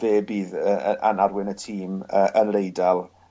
fe bydd yy yy yn arwen y tîm yy yn yr Eidal.